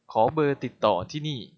ขอเบอร์ติดต่อที่นี่